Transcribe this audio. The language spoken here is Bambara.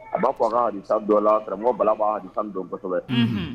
A b'a fɔ don la karamɔgɔ balaba don bato kosɛbɛ